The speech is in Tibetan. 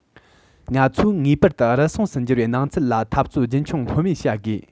ང ཚོས ངེས པར དུ རུལ སུངས སུ འགྱུར བའི སྣང ཚུལ ལ འཐབ རྩོད རྒྱུན འཁྱོངས ལྷོད མེད བྱ དགོས